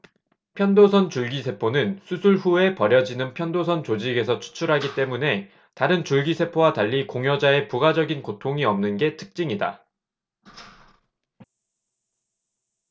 편도선 줄기세포는 수술 후에 버려지는 편도선 조직에서 추출하기 때문에 다른 줄기세포와 달리 공여자의 부가적인 고통이 없는 게 특징이다